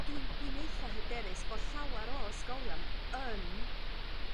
Dwi'n dwi'n eitha hyderus bo' llawer o ysgolion yn